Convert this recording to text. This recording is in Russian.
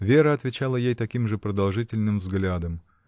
Вера отвечала ей таким же продолжительным взглядом.